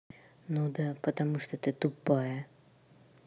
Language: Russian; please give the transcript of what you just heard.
ну да потому что ты тупая